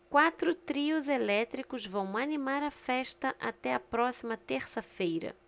quatro trios elétricos vão animar a festa até a próxima terça-feira